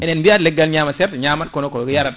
enen biyata ñama * ñamata kono ko yarate